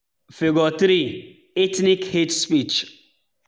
Figure 3: Ethnic hate speech